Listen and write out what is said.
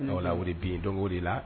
No la o de bin dɔn o de la